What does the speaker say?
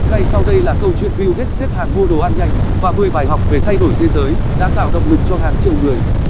ngay sau đây là câu chuyện bill gates xếp hàng mua đồ ăn nhanh và bài học về thay đổi thế giới đã tạo động lực cho hàng triệu người